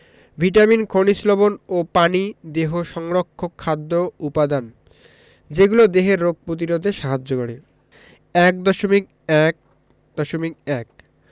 vitamin খনিজ লবন ও পানি দেহ সংরক্ষক খাদ্য উপাদান যেগুলো দেহের রোগ প্রতিরোধে সাহায্য করে ১.১.১